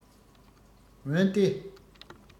འོན ཏེ